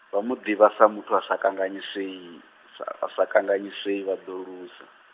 vha mu ḓivha sa muthu a sa kanganyisei, sa, a sa kanganyisei vhado lusa.